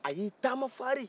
a y'i taama farari